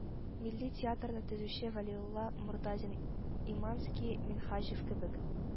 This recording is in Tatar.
Милли театрны төзүче вәлиулла мортазин-иманский, минһаҗев кебек